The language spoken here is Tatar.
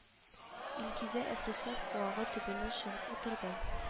Илгизә әфлисун куагы төбенә чыгып утырды